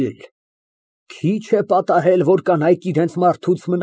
Միշտ միևնույն տխուր եղանակը օրվա միևնույն միջոցին։ ՄԱՐԳԱՐԻՏ ֊ (Նվագելով) Ասում են, ժամերն իրանց տրամադրությունն ունին։